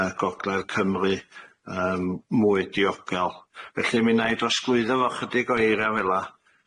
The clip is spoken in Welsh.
yy Gogledd Cymru yym mwy diogel felly mi 'nai drosglwyddo fo chydig o eira fel 'a,